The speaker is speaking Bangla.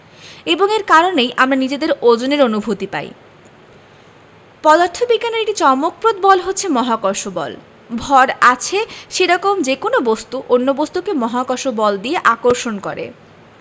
এবং এর কারণেই আমরা নিজেদের ওজনের অনুভূতি পাই পদার্থবিজ্ঞানের একটি চমকপ্রদ বল হচ্ছে মহাকর্ষ বল ভর আছে সেরকম যেকোনো বস্তু অন্য বস্তুকে মহাকর্ষ বল দিয়ে আকর্ষণ করে